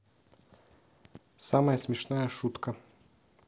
самая смешная шутка